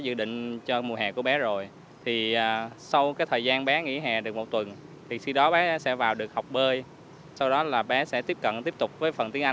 dự định cho mùa hè của bé rồi thì sau cái thời gian bé nghỉ hè được một tuần thì khi đó bé sẽ vào được học bơi sau đó là bé sẽ tiếp cận tiếp tục với phần tiếng anh